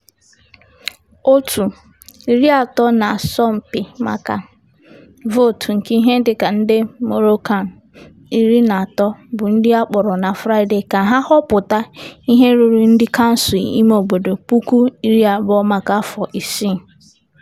Òtù iri atọ na-asọ mpi maka vootu nke ihe dịka nde Moroccan 13 bụ ndị a kpọrọ na Fraịdee ka ha họpụta ihe ruru ndị kansụl imeobodo 20,000 maka afọ isii.